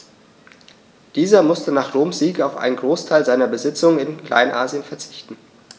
Dieser musste nach Roms Sieg auf einen Großteil seiner Besitzungen in Kleinasien verzichten.